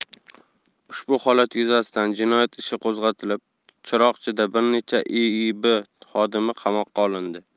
ushbu holat yuzasidan jinoyat ishi qo'zg'atilib chiroqchida bir necha iib xodimi qamoqqa olindi